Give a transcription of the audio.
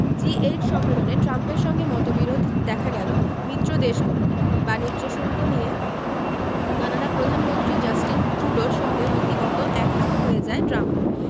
জি eight সম্মেলনে ট্রাম্পের সঙ্গে মতবিরোধ দেখা গেল মিত্রদেশগুলোর বাণিজ্য শুল্ক নিয়ে কানাডার প্রধানমন্ত্রী জাস্টিন ট্রুডোর সঙ্গে রীতিমতো একহাত হয়ে যায় ট্রাম্পের